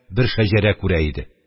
Бер шәҗәрә күрә иде